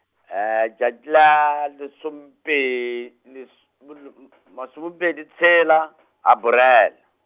letšatši la lesompe-, les- , masomepedi tshela Aparele.